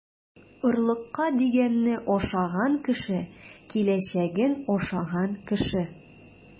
Орлыкка дигәнне ашаган кеше - киләчәген ашаган кеше.